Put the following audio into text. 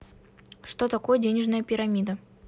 что такое денежная пирамида